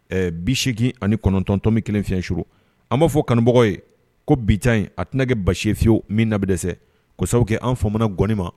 Ɛɛ bi seginegin ani kɔnɔntɔntɔnmi kelen fi sur an b'a fɔ kanumɔgɔ ye ko bi ca in a tɛnage basisiyewu min nabid kosa kɛ an fɔmana gɔni ma